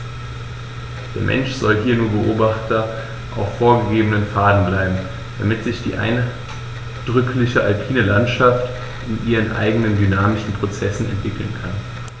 Der Mensch soll hier nur Beobachter auf vorgegebenen Pfaden bleiben, damit sich die eindrückliche alpine Landschaft in ihren eigenen dynamischen Prozessen entwickeln kann.